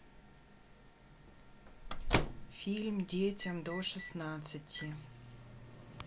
фильм детям до шестнадцати